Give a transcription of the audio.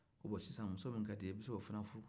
ko bon sisan muso min ka d'i ye i bɛ se k'o fana furu